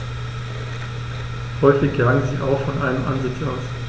Häufig jagen sie auch von einem Ansitz aus.